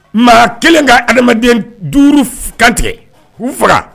Maa kelen ka adamaden duuru kantigɛ k'u faga